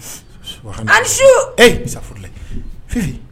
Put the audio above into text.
Subanalayi! Ani su! E safurulayi! Fifi